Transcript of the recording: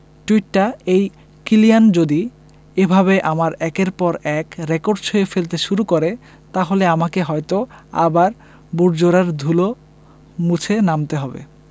টুইটটা এই কিলিয়ান যদি এভাবে আমার একের পর এক রেকর্ড ছুঁয়ে ফেলতে শুরু করে তাহলে আমাকে হয়তো আবার বুটজোড়ার ধুলো মুছে নামতে হবে